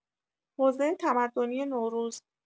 حوزه تمدنی نوروز